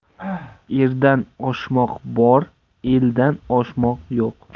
erdan oshmoq bor eldan oshmoq yo'q